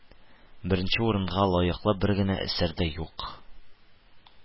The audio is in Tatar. Беренче урынга лаеклы бер генә әсәр дә юк